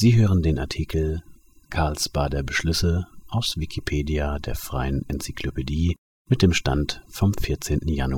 hören den Artikel Karlsbader Beschlüsse, aus Wikipedia, der freien Enzyklopädie. Mit dem Stand vom Der